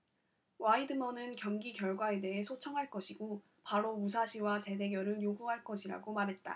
와이드먼은 경기 결과에 대해 소청할 것이고 바로 무사시와 재대결을 요구할 것이라고 말했다